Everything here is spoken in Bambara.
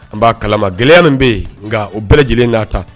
N' kalama gɛlɛyaya min bɛ yen nka o bɛɛ lajɛlen n'a ta